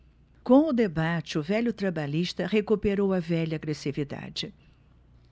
com o debate o velho trabalhista recuperou a velha agressividade